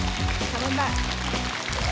cảm ơn bạn chúng